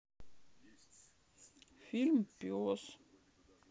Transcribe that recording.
фильм пес